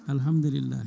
alahamdulillahi